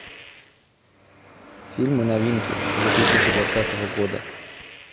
фильмы новинки две тысячи двадцатого года